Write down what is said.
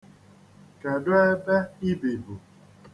Kedụ ebe i bubu?